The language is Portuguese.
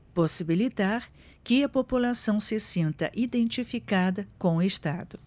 possibilitar que a população se sinta identificada com o estado